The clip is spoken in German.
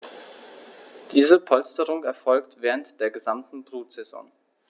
Diese Polsterung erfolgt während der gesamten Brutsaison.